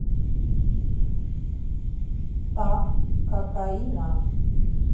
та кокаина